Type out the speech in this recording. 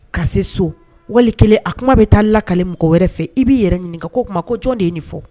Ka se so wali kɛlen a kuma bɛ taa lakale mɔgɔ wɛrɛ fɛ i b'i yɛrɛ ɲini k'o tuma ma ko jɔn de ye nin fɔ